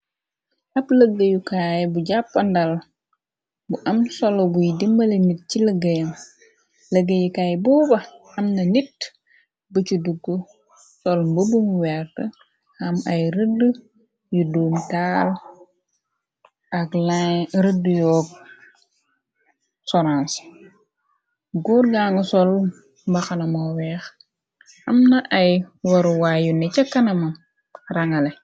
Ab lëggeyukaay bu jàppandal bu am solo guy dimbale nit ci lëggéem lëggéeyukaay booba amna nit bëccu dugg sol mbë bumu wert am ay rëdd yu duum taal ak rëdd yoog sarance gor gang sol baxanamo weex amna ay waruwaayu ne ca kanama rangale.